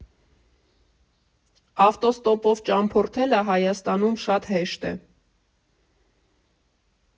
Ավտոստոպով ճամփորդելը Հայաստանում շատ հեշտ է։